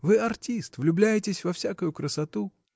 Вы артист: влюбляетесь во всякую красоту.